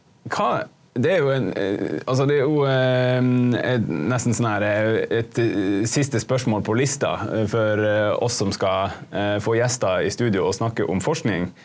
hva det er jo en altså det er jo nesten sånn her et siste spørsmål på lista for oss som skal få gjester i studio og snakke om forskning.